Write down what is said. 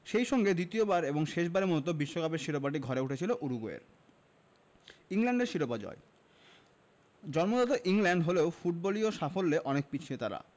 সেই সঙ্গে দ্বিতীয়বার এবং শেষবারের মতো বিশ্বকাপের শিরোপাটি ঘরে উঠেছিল উরুগুয়ের ইংল্যান্ডের শিরোপা জয় জন্মদাতা ইংল্যান্ড হলেও ফুটবলীয় সাফল্যে অনেক পিছিয়ে তারা